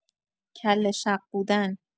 کله‌شق بودن